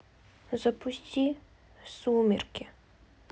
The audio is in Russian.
запусти сумерки